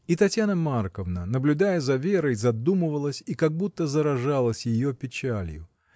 И Татьяна Марковна, наблюдая за Верой, задумывалась и как будто заражалась ее печалью.